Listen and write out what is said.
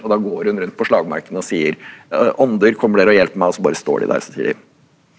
og da går hun rundt på slagmarkene og sier ånder kommer dere å hjelper meg og så bare står de der og så sier de.